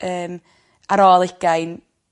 yym ar ôl ugain